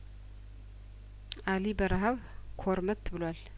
አሊ በረሀብ ኩርምት ብሏል